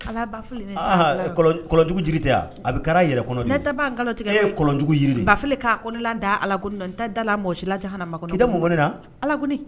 A' la Bafili ne san kɛlɛ rɔ aahan kɔlɔn j kɔlɔnjugu jiri tɛ a a be kar'a yɛrɛ kɔnɔ de o ne tɛ baa ngalon tigɛ dɛ e ye kɔlɔnjugu yiri de ye Bafili kaa ko ne la daa Ala gɔni dɔ n tɛ dala mɔɔsi la jahanama kɔnɔ gɔni na k'i da mun gɔni na Ala gɔni